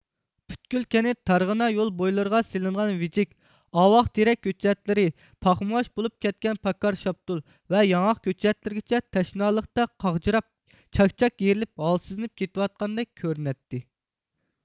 پۈتكۈل كەنت تارغىنا يول بويلىرىغا سېلىنغان ۋىجىك ئاۋاق تېرەك كۆچەتلىرى پاخمىۋاش بولۇپ كەتكەن پاكار شاپتۇل ۋە ياڭاق كۆچەتلىرىگىچە تەشنالىقتا قاغجىراپ چاك چاك يېرىلىپ ھالسىزلىنىپ كېتىۋاتقاندەك كۆرۈنەتتى